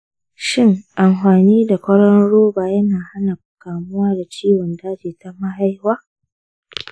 shin amfani da kwaroron roba yana hana kamuwa da ciwon daji ta mahaifa?